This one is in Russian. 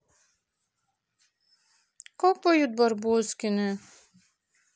как поют барбоскины